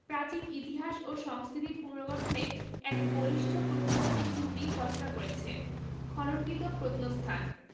প্রাচীন ইতিহাস ও সংস্কৃতি পুনর্গঠনে এক বলিষ্ঠ প্রত্নতাত্ত্বিক ভিত্তি রচনা করেছে খননকৃত প্রত্নস্থান